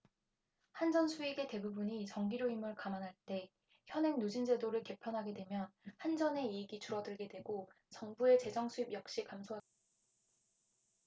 한전 수익의 대부분이 전기료임을 감안할 때 현행 누진제도를 개편하게 되면 한전의 이익이 줄어들게 되고 정부의 재정수입 역시 감소하게 된다